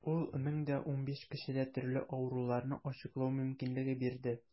Ул 1015 кешедә төрле авыруларны ачыклау мөмкинлеге бирде.